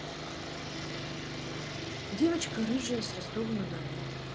девчонка рыжая с ростова на дону